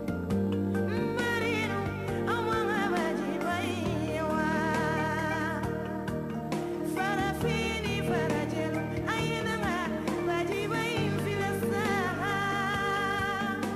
Mɔkari faama mɔ ma bajiba in wa saba f fajɛ a'inɛ majiba'i tile sa